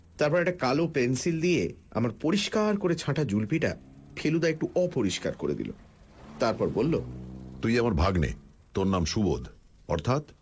তারপর একটা কালো পেন্সিল দিয়ে আমার পরিষ্কার করে ছাঁটা জুলপিটা ফেলুদা একটু অপরিষ্কার করে দিল তারপর বলল তুই আমার ভাগনে তোর নাম সুবোধ অর্থাৎ